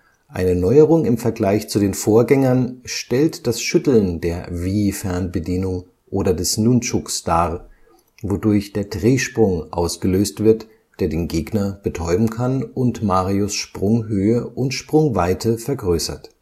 Eine Neuerung im Vergleich zu den Vorgängern stellt das Schütteln der Wii-Fernbedienung oder des Nunchuks dar, wodurch der Drehsprung ausgelöst wird, der den Gegner betäuben kann und Marios Sprunghöhe und - weite vergrößert